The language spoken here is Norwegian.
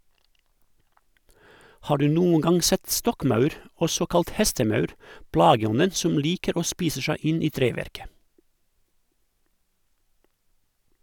Har du noen gang sett stokkmaur, også kalt hestemaur, plageånden som liker å spise seg inn i treverket?